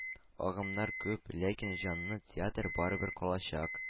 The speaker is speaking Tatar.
Агымнар күп, ләкин җанлы театр барыбер калачак.